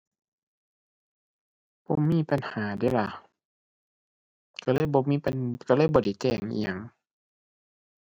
บ่มีปัญหาเดะล่ะ ก็เลยบ่มีปัน ก็เลยบ่ได้แจ้งอิหยัง